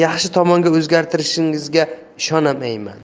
yaxshi tomonga o'zgartirishingizga ishonmayman